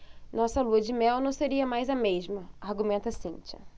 nossa lua-de-mel não seria mais a mesma argumenta cíntia